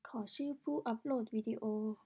ขอชื่อผู้อัพโหลดวีดีโอ